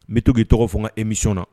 N bɛ to k'i tɔgɔ fɔ nka émission na.